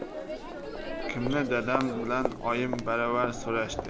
kimni dadam bilan oyim baravar so'rashdi